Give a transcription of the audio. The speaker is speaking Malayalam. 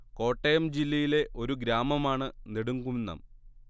കോട്ടയം ജില്ലയിലെ ഒരു ഗ്രാമമാണ് നെടുംകുന്നം